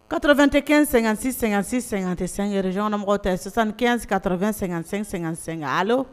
Katto2tɛ---sɛ tɛsɛgɛrɛ zgɔnmɔgɔw tɛ sisan kɛn-ka2-sɛ-sɛ ale